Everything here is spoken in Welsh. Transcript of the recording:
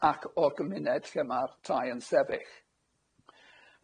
ac o'r gymuned lle ma'r tai yn sefyll.